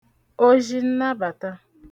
ozhinnabàta